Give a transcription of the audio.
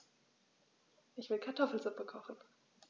Ich will Kartoffelsuppe kochen.